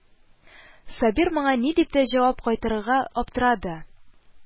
Сабир моңа ни дип тә җавап кайтарырга аптырады